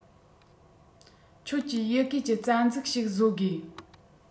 ཁྱོད ཀྱིས ཡི གེ ཀྱི རྩ འཛིན ཞིག བཟོ དགོས